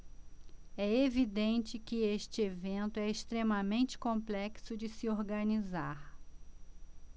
é evidente que este evento é extremamente complexo de se organizar